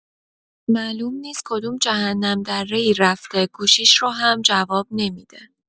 معلوم نیست کدوم جهنم‌دره‌ای رفته گوشیش رو هم جواب نمی‌ده!